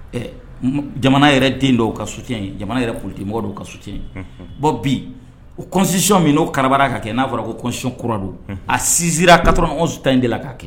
Ɛ jamana yɛrɛ den dɔw ka su in jamana yɛrɛ kulutimɔgɔ dɔw ka su bɔn bi kɔnsiy min n'o karara ka kɛ n'a fɔra kosi kura don a sin ka an su tan in de la k kaa kɛ